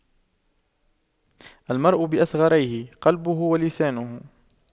المرء بأصغريه قلبه ولسانه